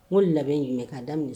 Ko labɛn ɲinimɛ ka da